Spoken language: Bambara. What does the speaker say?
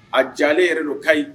A jalen yɛrɛ don kayi